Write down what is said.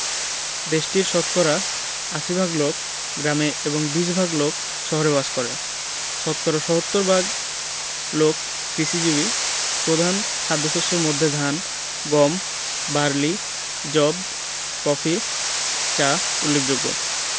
দেশটির শতকরা ৮০ ভাগ লোক গ্রামে এবং ২০ ভাগ লোক শহরে বাস করে শতকরা ৭০ ভাগ লোক কৃষিজীবী প্রধান খাদ্যশস্যের মধ্যে ধান গম বার্লি যব কফি চা উল্লেখযোগ্য